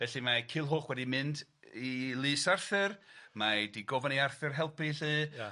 Felly mae Culhwch wedi mynd i Lys Arthur mae 'di gofyn i Arthur helpu 'lly. Ia.